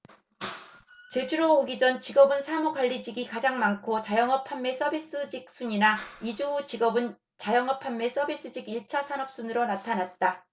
제주로 오기 전 직업은 사무 관리직이 가장 많고 자영업 판매 서비스직 순이나 이주 후 직업은 자영업 판매 서비스직 일 차 산업 순으로 나타났다